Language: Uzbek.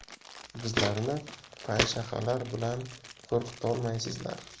bizlarni panshaxalar bilan qo'rqitolmaysizlar